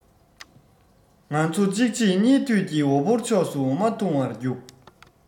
ང ཚོ གཅིག རྗེས གཉིས མཐུད ཀྱིས འོ ཕོར ཕྱོགས སུ འོ མ བཏུང བར བརྒྱུགས